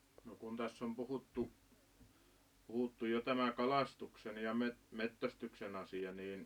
no kun tässä on puhuttu puhuttu jo tämä kalastuksen ja - metsästyksen asia niin